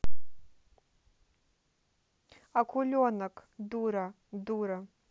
акуленок дура дура